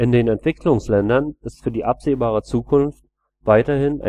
den Entwicklungsländern ist für die absehbare Zukunft weiterhin